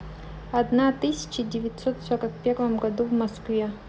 одна тысяча девятьсот сорок первом году в москве